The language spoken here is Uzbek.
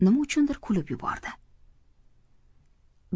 nima uchundir kulib yubordi